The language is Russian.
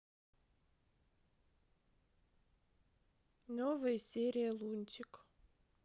новые серии лунтик